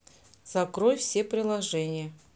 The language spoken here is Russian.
закрой все приложения